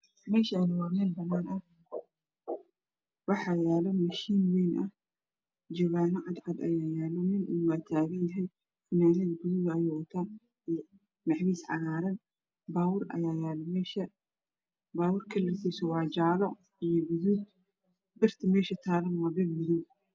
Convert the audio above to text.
Meeshani waa meel banan ah waxaa yaalo mishiin wayn ah jawano cad cad ah ayaa yaalo nina waùa taagan yahay funanad gudud ah ayuu wataa maxmiis cagaran babuur ayaa yaalo meesha babur kalarkiisu waa jaalo guduud birta mesha taalana waa bir madaw